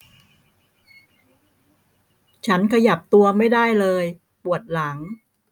ฉันขยับตัวไม่ได้เลยปวดหลัง